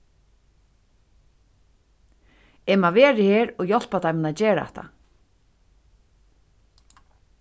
eg má vera her og hjálpa teimum at gera hatta